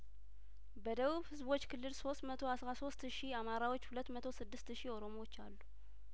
በደቡብ ህዝቦች ክልል ሶስት መቶ አስራ ሶስት ሺ አማራዎች ሁለት መቶ ስድስት ሺ ኦሮሞዎች አሉ